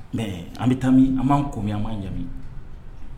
Ɛ an bɛ taa an b'an ko an'an jamumi